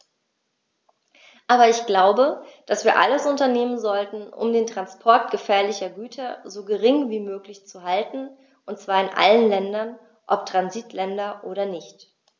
Aber ich glaube, dass wir alles unternehmen sollten, um den Transport gefährlicher Güter so gering wie möglich zu halten, und zwar in allen Ländern, ob Transitländer oder nicht.